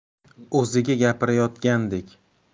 o'ziga gapirayotgandek